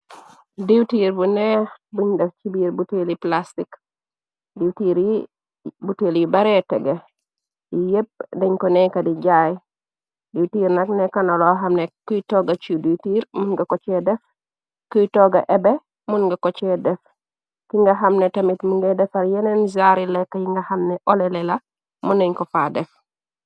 Diiw tiir bu nee buñ def ci biir bu teeli plastik. diiw iir bu teel yi baree tege yi yépp deñ ko neeka di jaay diiw tiir nak nekanaloo xamne kuy togga ci duy tiir mun nga ko cee def kuy togga ebe mun nga ko cee def ki nga xamne tamit mu ngay defar yeneen zaari lekk yi nga xamne olele la mu nañ ko faa def.